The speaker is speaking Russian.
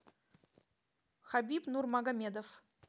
хабиб нурмагомедов